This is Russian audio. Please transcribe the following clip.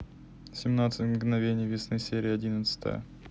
семнадцать мгновений весны серия одиннадцать